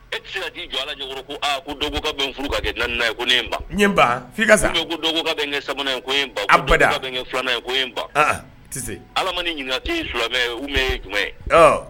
Ep se ka k'i jɔ alajkɔrɔ ko aa ko dɔgɔ ka bɛ furu ka kɛ naanian ye ko ne n ba' ka sa ko dɔgɔ ka bɛ kɛ sabanan ye ko in ba aba bɛ kɛ filanan ye ko in ba ala ɲininka filamɛ jumɛn ye